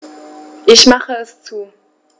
Ich mache es zu.